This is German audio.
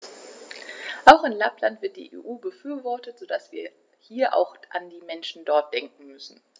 Auch in Lappland wird die EU befürwortet, so dass wir hier auch an die Menschen dort denken müssen.